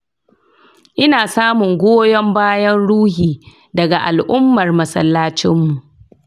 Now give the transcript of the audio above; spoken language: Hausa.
ina samun goyon bayan ruhi daga al'ummar masallacinmu